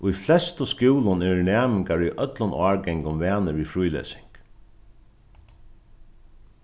í flestu skúlum eru næmingar í øllum árgangum vanir við frílesing